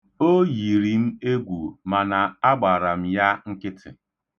O yiri m egwu, mana agbara m ya nkịtị.